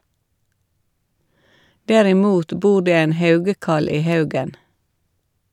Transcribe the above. Derimot bor det en haugekall i haugen.